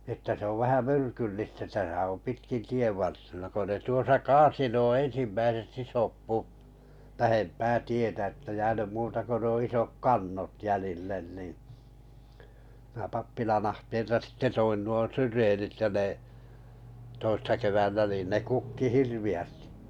että se on vähän myrkyllistä tässä on pitkin tienvarsina kun ne tuossa kaatoi nuo ensimmäiset isot puut lähempää tietä että jäänyt muuta kuin nuo isot kannot jäljille niin minä pappilan ahteelta sitten toin nuo syreenit ja ne toissa keväänä niin ne kukki hirveästi